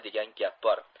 degan gap bor